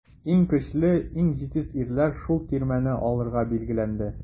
Иң көчле, иң җитез ирләр шул тирмәне алырга билгеләнде.